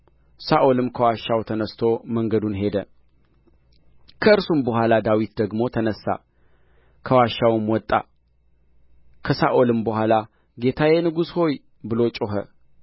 ሳኦልም ከዋሻው ተነሥቶ መንገዱን ሄደ ከእርሱም በኋላ ዳዊት ደግሞ ተነሣ ከዋሻውም ወጣ ከሳኦልም በኋላ ጌታዬ ንጉሥ ሆይ ብሎ ጮኸ